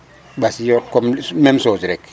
Ɓasi yo comme meme chose rek.